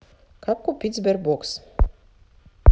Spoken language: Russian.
как купить sberbox